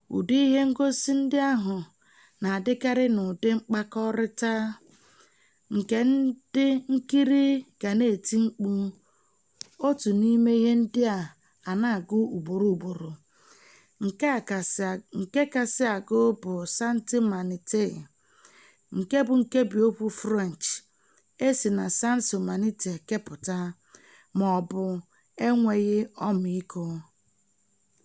Ụdị ihe ngosi ndị ahụ na-adịkarị n'ụdị mkpakọrịta, nke ndị nkiri ga na-eti mkpu otu n'ime ihe ndị a na-agụ ugboro ugboro, nke a kasị agụ bụ "Santimanitay!" , nke bụ nkebiokwu Fụrenchị e si na "sans humanité” kepụta, ma ọ bụ "enweghị ọmiiko" .